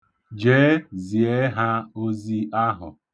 Jee zie ha ozi ahụ.